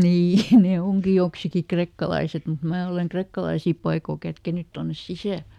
niin ne onkin joksikin krekkalaiset mutta minä olen krekkalaisia paikoin kätkenyt tuonne sisälle